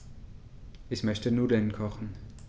Ich möchte Nudeln kochen.